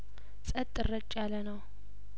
ጸጥ እረጭ ያለነው